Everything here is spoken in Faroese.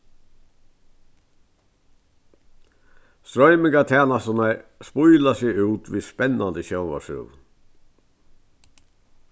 stroymingartænasturnar spíla seg út við spennandi sjónvarpsrøðum